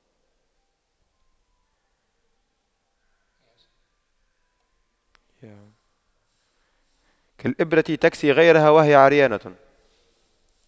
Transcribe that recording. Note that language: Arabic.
كالإبرة تكسي غيرها وهي عريانة